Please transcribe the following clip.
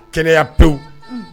Kɛnɛyaya pewu